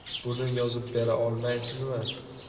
buni yozib bera olmaysizmi